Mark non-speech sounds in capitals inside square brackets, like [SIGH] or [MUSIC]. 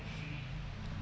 [HESITATION] [HESITATION]